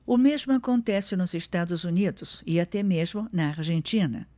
o mesmo acontece nos estados unidos e até mesmo na argentina